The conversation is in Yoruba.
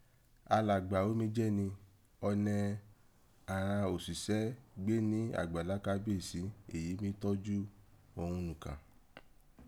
Alagba ó mí jẹ́ rin, ó nẹ́ àghan osusẹ gbé ni àgbàlá Kábéèsi èyí mí tọ́jú òghun nùkàn.